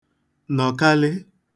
nọ̀kalị